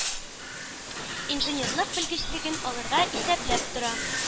Инженерлык белгечлеген алырга исәпләп тора.